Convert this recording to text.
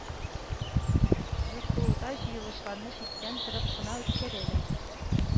ЖэКэУда җыелышларны читтән торып кына үткәрәләр